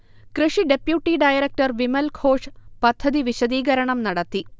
കൃഷി deputy director Vimalghosh പദ്ധതി വിശദീകരണം നടത്തി